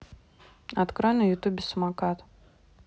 открой на ютубе самокат